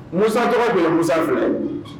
Musa tɔgɔw fɛ yen, Musa ye fila ye.